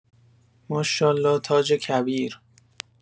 ماشالله تاج کبیر